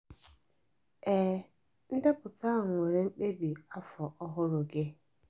Ee, ndepụta ahụ nwéré Mkpebi Afọ Ọhụrụ gị